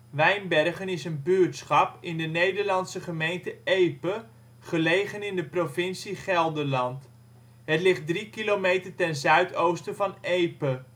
Wijnbergen is een buurtschap in de Nederlandse gemeente Epe, gelegen in de provincie Gelderland. Het ligt 3 kilometer ten zuidoosten van Epe